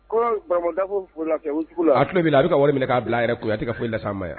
Ko a tulo b'i la a bɛ ka wari minɛ k'a bila a yɛrɛ a tɛ ka foyi lase an ma yan